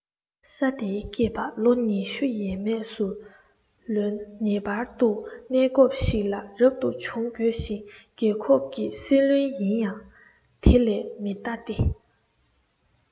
ས དེའི སྐྱེས པ ལོ ཉི ཤུ ཡས མས སུ ལོན ངེས པར དུ གནས སྐབས ཤིག ལ རབ ཏུ བྱུང དགོས ཤིང རྒྱལ ཁབ ཀྱི སྲིད བློན ཡིན ཡང དེ ལས མི འདའ སྟེ